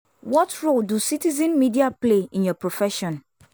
What role do citizen media play in your profession?